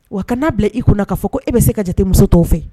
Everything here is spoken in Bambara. Wa kana bila i kunna k'a fɔ ko e bɛ se ka jate muso tɔw fɛ.